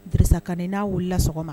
Bisa ka n'a wulila la sɔgɔma